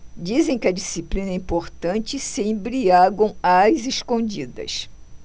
dizem que a disciplina é importante e se embriagam às escondidas